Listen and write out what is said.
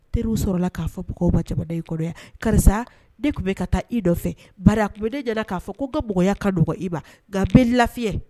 Teriw sɔrɔla k'a fɔba cɛbakɔ karisa de tun bɛ ka taa i dɔ fɛ tun k'a fɔ ko' ka ka dugawu ib lafiya